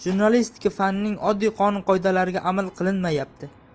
jurnalistika fanining oddiy qonun qoidalariga amal qilinmayapti